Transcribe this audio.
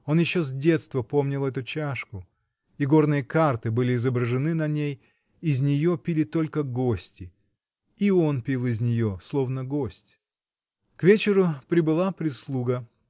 он еще с детства помнил эту чашку: игорные карты были изображены на ней, из нее пили только гости, -- и он пил из нее, словно гость. К вечеру прибыла прислуга